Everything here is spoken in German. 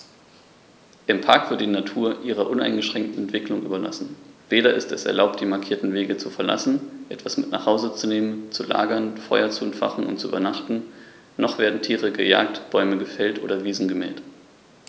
Im Park wird die Natur ihrer uneingeschränkten Entwicklung überlassen; weder ist es erlaubt, die markierten Wege zu verlassen, etwas mit nach Hause zu nehmen, zu lagern, Feuer zu entfachen und zu übernachten, noch werden Tiere gejagt, Bäume gefällt oder Wiesen gemäht.